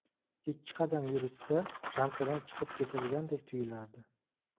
ikki qadam yurishsa ramkadan chiqib ketadigandek tuyulardi